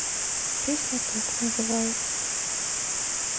песня ток называется